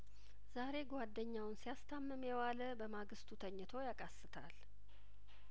ዛሬ ጓደኛውን ሲያስታምም የዋለ በማግስቱ ተኝቶ ያቃስታል